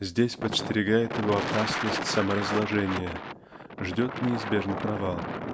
здесь подстерегает его опасность саморазложения ждет неизбежный провал.